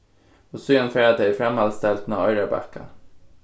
og síðan fara tey í framhaldsdeildina á oyrarbakka